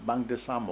Ban kɛ sa ma